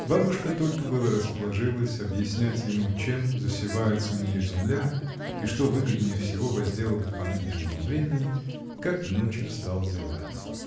Бабушка только было расположилась объяснять ему, чем засевается у нее земля и что выгоднее всего возделывать по нынешнему времени, как внучек стал зевать.